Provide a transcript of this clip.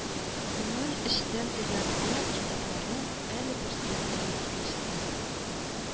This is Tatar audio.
Гын эчтән тыя-тыя, китапларның әле берсен, әле икенчесен